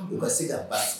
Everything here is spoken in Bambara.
U ka se ka ba ye